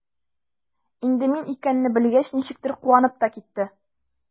Инде мин икәнне белгәч, ничектер куанып та китте.